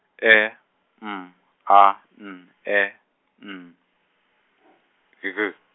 E, M, A, N E, N , e G.